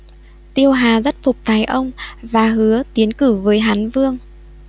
tiêu hà rất phục tài ông và hứa tiến cử với hán vương